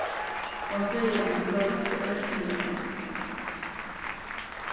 hon segði at hon føldi seg ørkymlaða